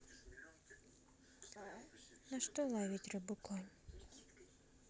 на что ловить рыбу конь